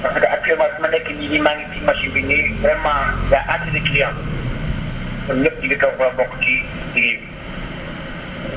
parce que actuellement fi ma nekk nii maa ngi si machine bi nii vraiment y a assez de client ñoom ñëpp ñu ngi toog war a bokk ci kii bi